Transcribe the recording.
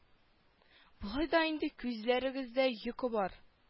Болай да инде күзләрегездә йокы бар